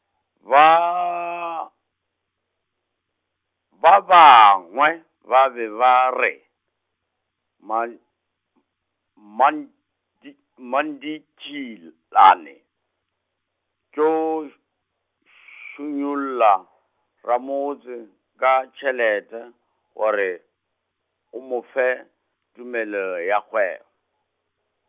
baa-, ba bangwe, ba be ba re, mman- m- mmandi-, Mmaditšhil- -lane, tšo š- šunyolla Ramotse ka tšhelete gore, o mo fe, tumelelo ya kgwebo.